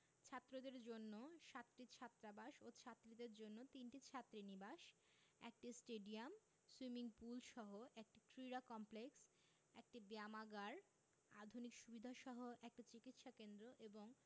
ছাত্রদের জন্য সাতটি ছাত্রাবাস ও ছাত্রীদের জন্য তিনটি ছাত্রীনিবাস একটি স্টেডিয়াম সুইমিং পুলসহ একটি ক্রীড়া কমপ্লেক্স একটি ব্যায়ামাগার আধুনিক সুবিধাসহ একটি চিকিৎসা কেন্দ্র এবং